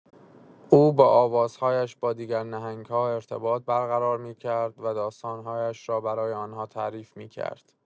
او با آوازهایش با دیگر نهنگ‌ها ارتباط برقرار می‌کرد و داستان‌هایش را برای آنها تعریف می‌کرد.